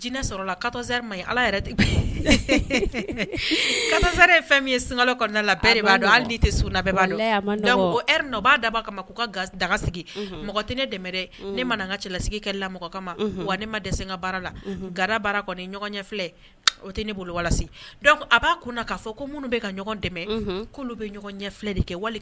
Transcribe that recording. Ka b'a da k'u ga daga sigi mɔgɔ tɛ ne dɛmɛ ne ma ka cɛlalasigi kɛ la kama ma wa ne ma dɛsɛ ka baara la ga baara kɔni ɲɔgɔn ɲɛ filɛ o tɛ ne bolo a b'a kun k'a fɔ ko minnu bɛ ka ɲɔgɔn dɛmɛ'olu bɛ ɲɔgɔn ɲɛ filɛ de kɛ